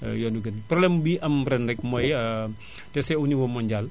yoon wi gën problème bi am ren rekk mooy te c' est au niveau mondial